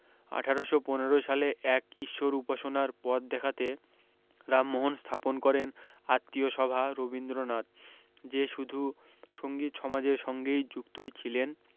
আঠারোশ পনেরো সালে এক ঈশ্বর উপাসনার পথ দেখাতে রামমোহন স্থাপন করেন আত্মীয় সভা রবীন্দ্রনাথ যে শুধু সঙ্গীত সমাজের সঙ্গে যুক্তই ছিলেন